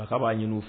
A ka b'a ɲini fɛ